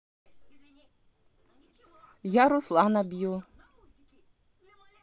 я руслана бью